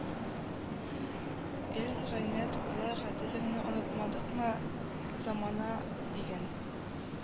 Эльс Гыйният улы Гаделевне онытмадыкмы, замана дигән